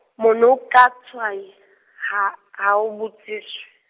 monokotshwai ha, ha o butswitse.